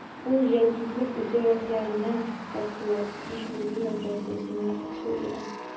Ул җәдитлек үзәкләренә тартыла: Иж-буби мәдрәсәсенә сугыла.